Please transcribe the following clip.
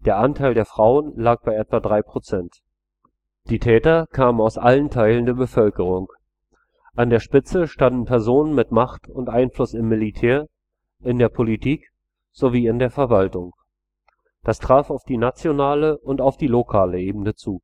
Der Anteil der Frauen lag bei etwa drei Prozent. Die Täter kamen aus allen Teilen der Bevölkerung. An der Spitze standen Personen mit Macht und Einfluss im Militär, in der Politik sowie in der Verwaltung. Das traf auf die nationale und auf die lokale Ebene zu